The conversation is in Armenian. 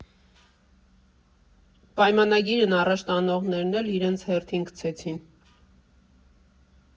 Պայմանագիրն առաջ տանողներն էլ իրենց հերթին քցեցին։